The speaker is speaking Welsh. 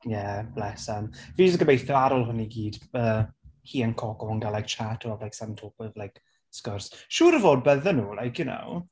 Ie bless 'em. Fi jyst yn gobeithio ar ôl hwn i gyd hi a Coco yn cael like chat, or some sort of like sgwrs. Siŵr o fod bydden nhw, like you know.